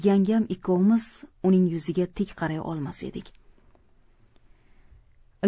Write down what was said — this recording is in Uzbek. yangam ikkovimiz uning yuziga tik qaray olmas edik